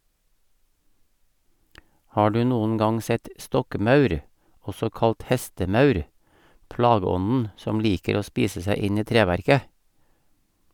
Har du noen gang sett stokkmaur , også kalt hestemaur , plageånden som liker å spise seg inn i treverket?